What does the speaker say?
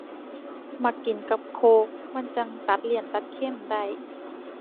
มักกินกับโค้กมันจั่งตัดเลี่ยนตัดเค็มได้